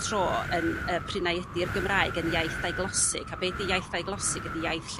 tro yn y p'run a'i ydi'r Gymraeg yn iaith ddaiglosig a be 'di iaith ddaiglosig ydi iaith lle